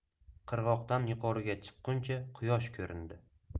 qirg'oqdan yuqoriga chiqquncha quyosh ko'rindi